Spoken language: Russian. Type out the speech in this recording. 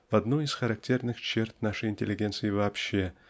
в одну из характерных черт нашей интеллигенции вообще